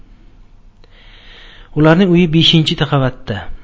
ularning uyi beshinchi qavatda